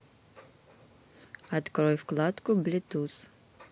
открой вкладку bluetooth